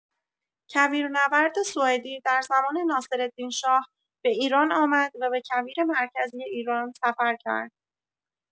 کویرنورد سوئدی در زمان ناصرالدین شاه به ایران آمد و به کویر مرکزی ایران سفر کرد.